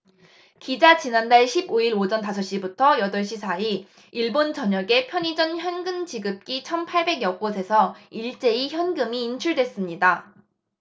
기자 지난달 십 오 일 오전 다섯 시부터 여덟 시 사이 일본 전역의 편의점 현금지급기 천 팔백 여 곳에서 일제히 현금이 인출됐습니다